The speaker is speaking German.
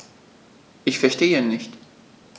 Ich verstehe nicht.